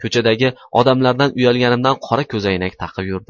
ko'chadagi odamlardan uyalganimdan qora ko'zoynak taqib yurdim